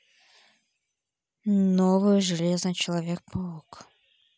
новый железный человек паук